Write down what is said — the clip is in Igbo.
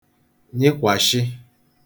nyịkwàshị